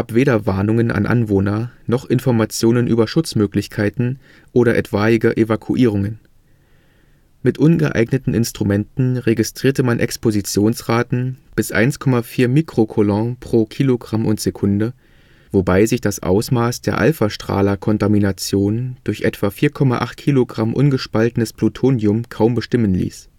weder Warnungen an Anwohner noch Informationen über Schutzmöglichkeiten oder etwaige Evakuierungen. Mit ungeeigneten Instrumenten registrierte man Expositionsraten bis 1,4 µC/kg/s, wobei sich das Ausmaß der α-Strahler-Kontamination durch etwa 4,8 Kilogramm ungespaltenes Plutonium kaum bestimmen ließ